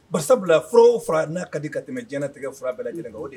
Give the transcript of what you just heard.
Ba sabula fɔlɔ fara n'a ka di ka tɛmɛ jɲɛnatigɛura bɛɛ lajɛlenkɛ o de ye